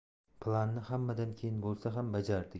planni hammadan keyin bo'lsa ham bajardik